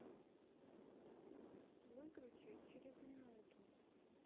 выключи через минуту